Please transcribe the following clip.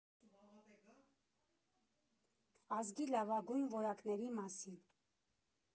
Ազգի լավագույն որակների մասին։